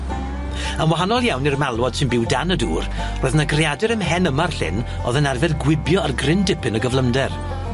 yn wahanol iawn i'r malwod sy'n byw dan y dŵr roedd 'na greadur ym mhen yma'r llyn o'dd yn arfer gwibio ar gryn dipyn o gyflymder.